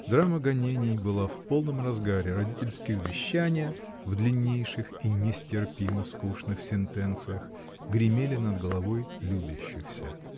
Драма гонений была в полном разгаре, родительские увещания, в длиннейших и нестерпимо скучных сентенциях, гремели над головой любящихся.